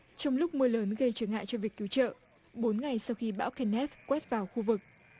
trong lúc mưa lớn gây trở ngại cho việc cứu trợ bốn ngày sau khi bão kenneth quét vào khu vực